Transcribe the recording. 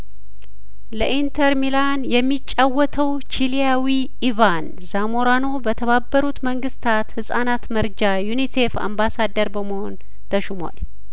ለኢንተር ሚላን የሚጫወተው ቺሊያዊ ኢቫን ዛሞራኖ በተባበሩት መንግስታት ህጻናት መርጃ ዩኒሴፍ አምባሳደር በመሆን ተሹሟል